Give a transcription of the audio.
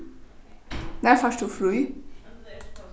nær fært tú frí